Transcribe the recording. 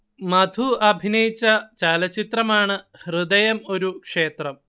മധു അഭിനയിച്ച ചലച്ചിത്രമാണ് ഹൃദയം ഒരു ക്ഷേത്രം